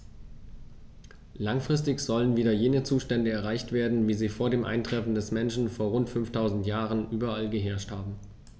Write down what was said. Langfristig sollen wieder jene Zustände erreicht werden, wie sie vor dem Eintreffen des Menschen vor rund 5000 Jahren überall geherrscht haben.